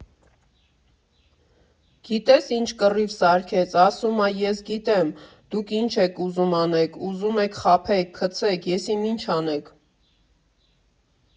Գիտե՞ս ինչ կռիվ սարքեց, ասում ա՝ ես գիտեմ դուք ինչ եք ուզում անեք, ուզում եք խաբեք, գցեք, եսիմինչ անեք։